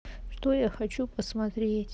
что я хочу посмотреть